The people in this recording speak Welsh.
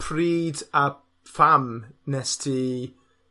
pryd a pham nest ti